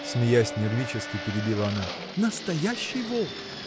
— смеясь нервически перебила она, — настоящий волк!